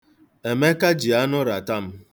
Emeka ji anụ rata m.